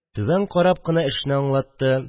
Түбән карап кына эшне аңлатты